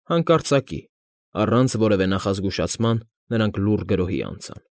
Հանկարծակի, առանց որևէ նախազգուշացման նրանք լուռ գրոհի անցան։